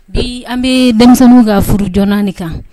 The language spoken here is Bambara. Bi an bɛ denmisɛnww ka furu joona de kan